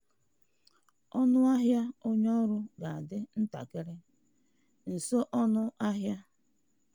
Ọnụ ahịa onye ọrụ ga-adị ntakịrị - nso ọnụ ahịa SMS.